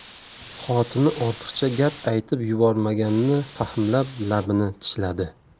xotini ortiqcha gap aytib yuborganini fahmlab labini tishladi